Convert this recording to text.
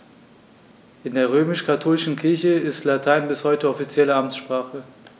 In der römisch-katholischen Kirche ist Latein bis heute offizielle Amtssprache.